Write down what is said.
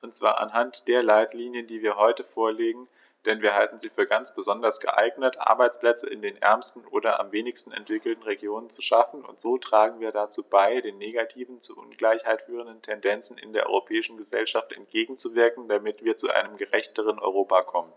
und zwar anhand der Leitlinien, die wir heute vorlegen, denn wir halten sie für ganz besonders geeignet, Arbeitsplätze in den ärmsten oder am wenigsten entwickelten Regionen zu schaffen, und so tragen wir dazu bei, den negativen, zur Ungleichheit führenden Tendenzen in der europäischen Gesellschaft entgegenzuwirken, damit wir zu einem gerechteren Europa kommen.